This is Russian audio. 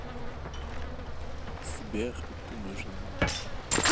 сбер ты нужен нам